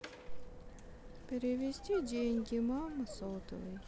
перевести деньги мама сотовый